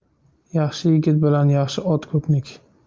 yaxshi yigit bilan yaxshi ot ko'pniki